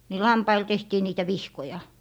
niin lampaille tehtiin niitä vihkoja